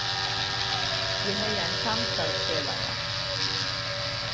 eg hevði ein samstarvsfelaga